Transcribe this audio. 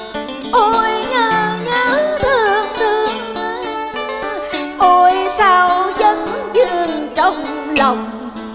ôi nhớ nhớ thương thương ôi sao vấn vương trong lòng